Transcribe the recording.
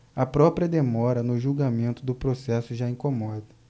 a própria demora no julgamento do processo já incomoda